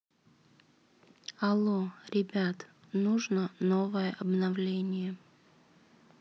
алло ребят нужно новое обновление